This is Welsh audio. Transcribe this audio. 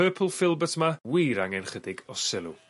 purpule filbert 'ma wir angen chydig o sylw.